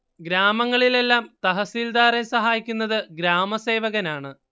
ഗ്രാമങ്ങളിൽ എല്ലാം തഹസിൽദാരെ സഹായിക്കുന്നത് ഗ്രാമസേവകനാണ്